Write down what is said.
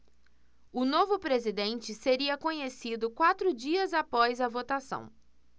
o novo presidente seria conhecido quatro dias após a votação